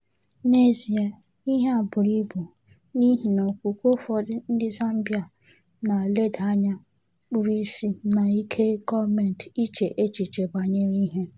N'ezie, ihe a buru ibu n'ihi na okwukwe ụfọdụ ndị Zambia a na-eleda anya kpuru isi na ike gọọmenti iche echiche banyere ihe.